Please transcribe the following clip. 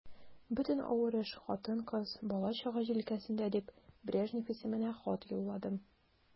Бөтен авыр эш хатын-кыз, бала-чага җилкәсендә дип, Брежнев исеменә хат юлладым.